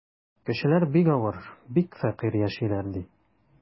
Кешеләр бик авыр, бик фәкыйрь яшиләр, ди.